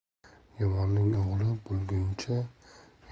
yomonning o'g'li bo'lguncha